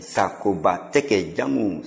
sagoba tɛgɛ ja n kun